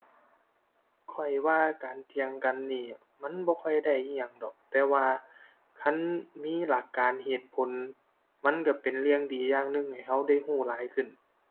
ข้อยว่าการเถียงกันนี้มันบ่ค่อยได้อิหยังดอก แต่ว่าคันมีหลักการเหตุผล มันก็เป็นเรื่องดีอย่างหนึ่งให้ก็ได้ก็หลายขึ้น